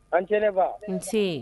An jeliba nse